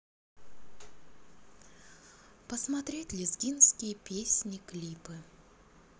посмотреть лезгинские песни клипы